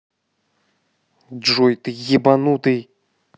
джой ты ебанутый